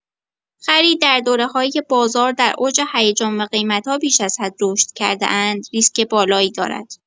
خرید در دوره‌هایی که بازار در اوج هیجان و قیمت‌ها بیش از حد رشد کرده‌اند ریسک بالایی دارد.